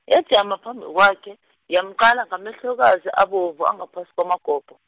yajama phambi kwakhe, yamqala ngamehlokazi abovu angaphasi kwamagobho.